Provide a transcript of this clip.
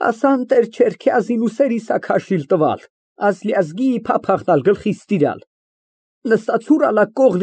ՎԱՐԴԱՆ ֊